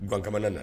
G kamalen na